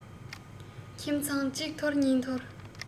ཁྱིམ ཚང གཅིག འཐོར གཉིས འཐོར